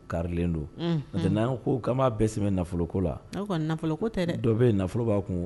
Kalen don tɛ ko k''a bɛ nafoloko la aw ka nafolo ko tɛ dɔ bɛ ye nafolo' kun